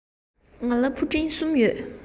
ང ལ ཕུ འདྲེན གསུམ ཡོད